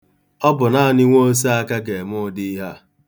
Ọ bụ naanị nwa oseaka ga-eme ụdị ihe a.